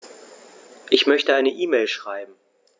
Ich möchte eine E-Mail schreiben.